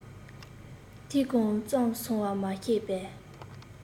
དུས གང ཙམ སོང བ མ ཤེས པར